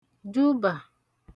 dubà